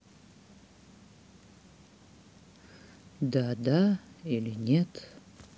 да да или нет